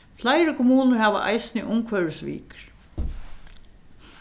fleiri kommunur hava eisini umhvørvisvikur